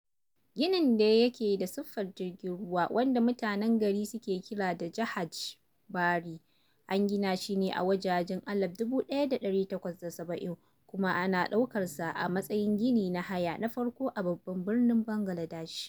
Ginin da yake da sifar jirgin ruwa wanda mutanen gari suke kira da "Jahaj Bari" an gina shi ne a wajejen 1870 kuma ana ɗaukarsa a matsayin gini na haya na farko a babban birnin Bangaladesh.